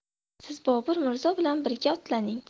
siz bobur mirzo bilan birga otlaning